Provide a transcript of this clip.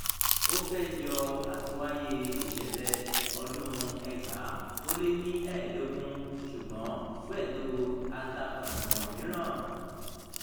Ó fẹ́ jọ àtúnwáyé ìṣẹ̀lẹ̀ 2015 ṣùgbọ́n pẹ̀lú atakànàngbọ̀n mìíràn.